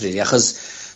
...rili achos,